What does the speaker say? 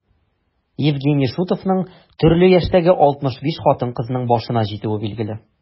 Евгений Шутовның төрле яшьтәге 65 хатын-кызның башына җитүе билгеле.